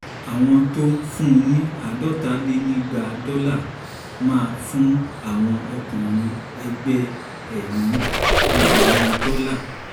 Àwọn t’ọ́n fún ni 250 dọlà, máa fún àwọn ọkùnrin ẹgbẹ́ ẹ̀ ní 1000 dọ́là.